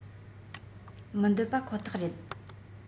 མི འདོད པ ཁོ ཐག རེད